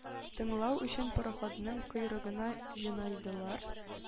Тыңлау өчен пароходның койрыгына җыйналдылар.